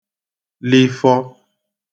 -lifọ